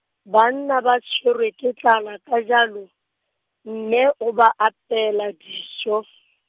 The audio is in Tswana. banna ba tshwerwe ke tlala ka jalo, mme o ba apeela dijo.